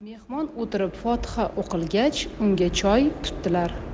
mehmon o'tirib fotiha o'qilgach unga choy tutdilar